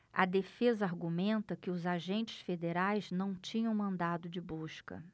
a defesa argumenta que os agentes federais não tinham mandado de busca